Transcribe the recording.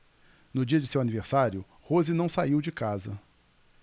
no dia de seu aniversário rose não saiu de casa